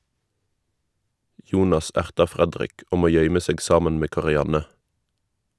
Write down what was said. Jonas ertar Fredrik, og må gøyme seg saman med Karianne